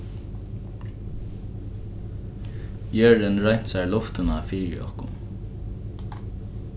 jørðin reinsar luftina fyri okkum